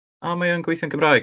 O mae yn gweithio yn Gymraeg.